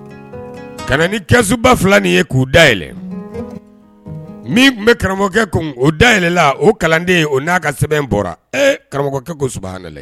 Kana ni kɛsuba fila nin ye k' uu day yɛlɛ min tun bɛ karamɔgɔkɛ o day yɛlɛla o kalanden o n a ka sɛbɛn bɔra ɛ karamɔgɔkɛ kobaɛ